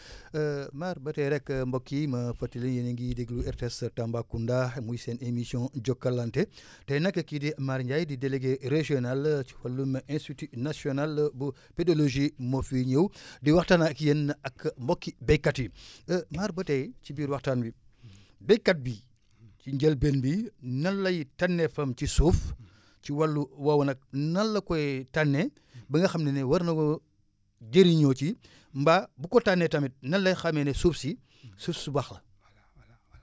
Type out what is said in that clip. Mar ba tey rek mbokk yi ma fàttali yéen a ngi déglu RTS Tambacounda muy seen émission jokkalante tey nag kii di Mar Ndiaye di délégué régional si wàllum institut national bu pédologie moo fi ñëw di waxtaan ak yéen ak mbokki béykat yi Mar ba tey ci biir waxtaan wi béykat bi ci njëlbéen bi nan lay tànneefam ci suuf ci wàllu woowu nag nan la koy tànnee ba nga xam ne ne war na koo jëriñoo ci mbaa bu ko tànnee tamit nan lay xamee ne suuf si suuf su baax la